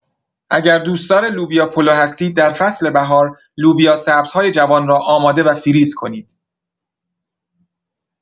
اگر دوستدار لوبیا پلو هستید در فصل بهار لوبیا سبزهای جوان را آماده و فریز کنید.